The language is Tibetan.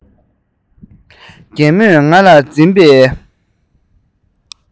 རྒན མོས ང ལ འཛིན པའི